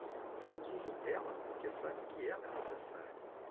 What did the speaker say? faz uso dela porque sabe que ela é necessária